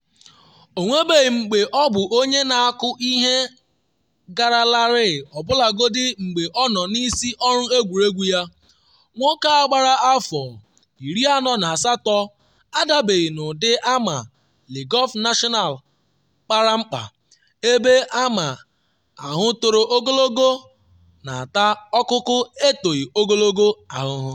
Ọ nwebeghị mgbe ọ bụ onye na-akụ ihe gara larịị ọbụlagodi mgbe ọ nọ n’isi ọrụ egwuregwu ya, nwoke a gbara afọ 48 adabaghị n’ụdị ama Le Golf National kpara mkpa, ebe ama ahụ toro ogologo na-ata ọkụkụ etoghi ogologo ahụhụ.